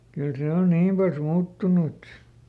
kyllä se on niin paljon muuttunut et